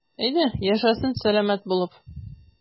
Әйдә, яшәсен сәламәт булып.